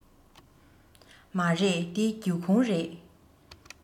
མ རེད འདི སྒེའུ ཁུང རེད